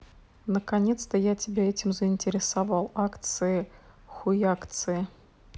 наконец то я тебя этим заинтересовал акции хуякции